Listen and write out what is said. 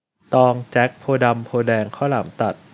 ตองแจ็คโพธิ์ดำโพธิ์แดงข้าวหลามตัด